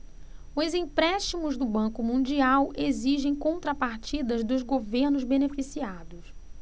os empréstimos do banco mundial exigem contrapartidas dos governos beneficiados